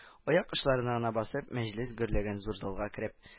Аяк очларына гына басып мәҗлес гөрләгән зур залга кереп